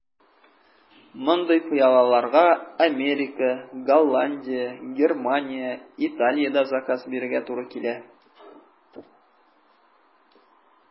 Мондый пыялаларга Америка, Голландия, Германия, Италиядә заказ бирергә туры килә.